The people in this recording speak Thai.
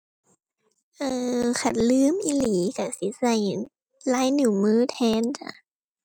เอ่อ คันลืมอีหลีก็สิก็ลายนิ้วมือแทนจ้ะ